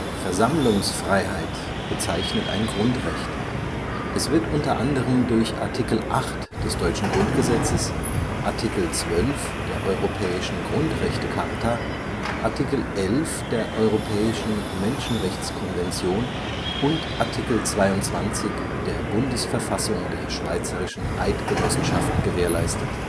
Versammlungsfreiheit bezeichnet ein Grundrecht. Es wird unter anderem durch Art. 8 des deutschen Grundgesetzes, Art. 12 der Europäischen Grundrechtecharta, Art. 11 der Europäischen Menschenrechtskonvention und Art. 22 der Bundesverfassung der Schweizerischen Eidgenossenschaft gewährleistet